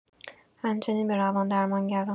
همچنین به روان‌درمانگران